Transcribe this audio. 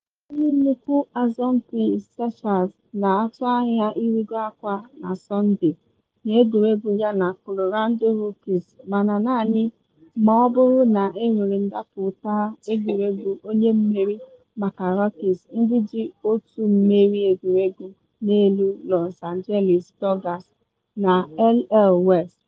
Mana onye nnukwu asọmpi Scherzer na atụ anya irigo akwa na Sọnde n’egwuregwu yana Colorado Rockies, mana naanị ma ọ bụrụ na enwere ndapụta egwuregwu onye mmeri maka Rockies, ndị ji otu mmeri egwuregwu n’elu Los Angeles Dodgers na NL West.